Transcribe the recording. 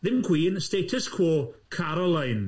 Ddim Queeen, Status Quo, Caroline.